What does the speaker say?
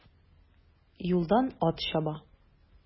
Юлдан ат чаба.